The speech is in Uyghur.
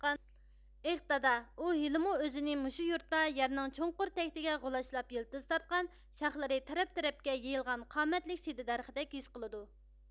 ئېخ دادا ئۇ ھېلىمۇ ئۆزىنى مۇشۇ يۇرتتا يەرنىڭ چۇڭقۇر تەكتىگە غۇلاچلاپ يىلتىز تارتقان شاخلىرى تەرەپ تەرەپكە يېيىلغان قامەتلىك سېدە دەرىخىدەك ھېس قىلىدۇ